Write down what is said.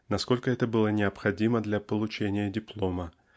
насколько это было необходимо для получения диплома